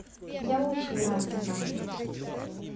я очень рад за вас